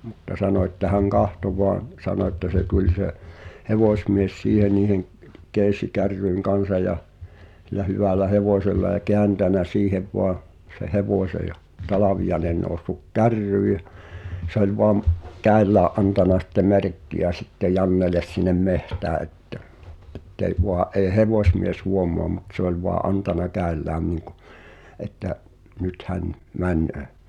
mutta sanoi että hän katsoi vain sanoi että se tuli se hevosmies siihen niiden keesikärryjen kanssa ja sillä hyvällä hevosella ja kääntänyt siihen vain sen hevosen ja Talviainen noussut kärryyn ja se oli vain käsillään antanut sitten merkkiä sitten Jannelle sinne metsään että että ei vain ei hevosmies huomaa mutta se oli vain antanut käsillään niin kuin että nyt hän menee